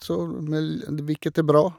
så Hvilket er bra.